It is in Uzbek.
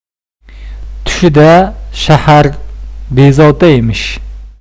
tushida shahar bezovta emish